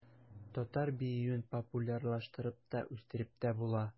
Татар биюен популярлаштырып та, үстереп тә була.